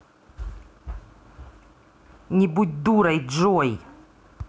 не будь дурой джой